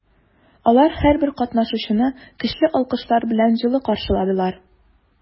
Алар һәрбер катнашучыны көчле алкышлар белән җылы каршыладылар.